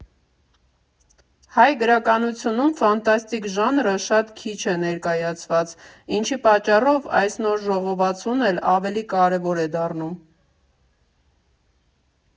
Հայ գրականությունում ֆանտաստիկ ժանրը շատ քիչ է ներկայացված, ինչի պատճառով այս նոր ժողովածուն է՛լ ավելի կարևոր է դառնում։